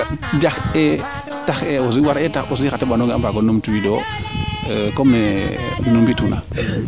est ce que jax e war e tax aussi xa teɓanongaxe a mbaago numtu wiidoyo comme ne nu mbi tan